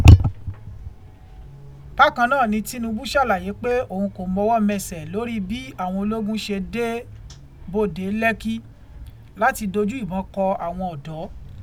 Bákan náà ni Tínubú ṣàlàyé pé òun kò mọwọ́ mẹsẹ̀ lórí bí àwọn ológun ṣe dé bodè Lẹ́kí láti dojú ìbọn kọ àwọn ọ̀dọ́.